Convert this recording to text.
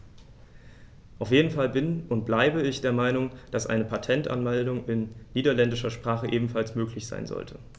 Auf jeden Fall bin - und bleibe - ich der Meinung, dass eine Patentanmeldung in niederländischer Sprache ebenfalls möglich sein sollte.